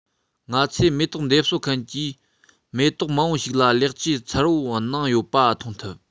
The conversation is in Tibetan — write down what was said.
ང ཚོས མེ ཏོག འདེབས གསོ མཁན གྱིས མེ ཏོག མང པོ ཞིག ལ ལེགས བཅོས མཚར པོ གནང ཡོད པ མཐོང ཐུབ